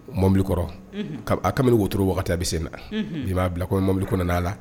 Mobilikɔrɔ kamalen wotu wagati bɛ sen na i' bilakɔ mobili kɔnɔ'a la